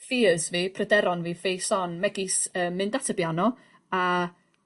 fears fi pryderon fi face on megis yym mynd at y biano a